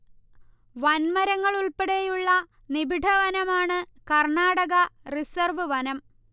വൻമരങ്ങൾ ഉൾപ്പെടെയുള്ള നിബിഢവനമാണ് കർണാടക റിസർവ് വനം